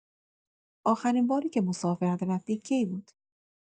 آخرین باری که مسافرت رفتی کی بود؟